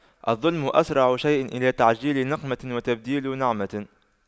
الظلم أسرع شيء إلى تعجيل نقمة وتبديل نعمة